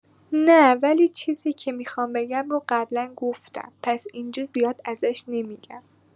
نه، ولی چیزی که میخوام بگم رو قبلا گفتم، پس اینجا زیاد ازش نمی‌گم.